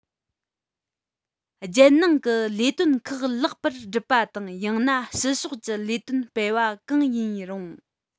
རྒྱལ ནང གི ལས དོན ཁག ལེགས པར སྒྲུབ པ དང ཡང ན ཕྱི ཕྱོགས ཀྱི ལས དོན སྤེལ བ གང ཡིན རུང